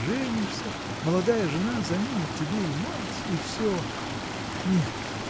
женишься – молодая жена заменит тебе и мать и все. Нет!